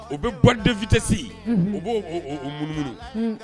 U bɛ baden v tɛ se u b' munumunu